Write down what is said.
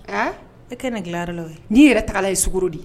Aa, e kɛ na gilayɔrɔ la yen, niin yɛrɛ tagala n ye sukaro de ye